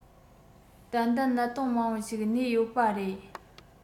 ཏན ཏན གནད དོན མང པོ ཞིག གནས ཡོད པ རེད